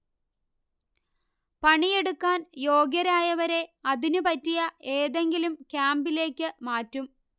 പണിയെടുക്കാൻ യോഗ്യരായവരെ അതിനുപറ്റിയ ഏതെങ്കിലും ക്യാമ്പിലേക്ക് മാറ്റും